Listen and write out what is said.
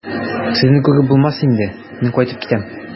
Сезне күреп булмас инде, мин кайтып китәм.